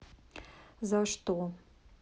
за что